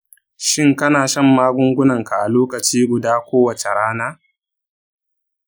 shin kana shan magungunanka a lokaci guda kowace rana?